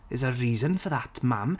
There's a reason for that, mam.